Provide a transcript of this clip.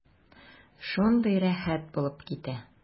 Шундый рәхәт булып китә.